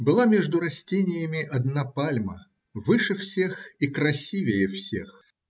Была между растениями одна пальма, выше всех и красивее всех.